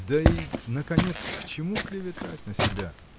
Да и, наконец, к чему клеветать на себя?